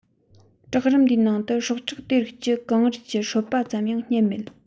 བྲག རིམ འདིའི ནང དུ སྲོག ཆགས དེ རིགས ཀྱི ཀེང རུས ཀྱི ཧྲོབ པ ཙམ ཡང རྙེད མེད